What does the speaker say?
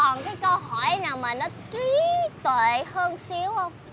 còn cái câu hỏi nào mà nó trí tuệ hơn xíu hôm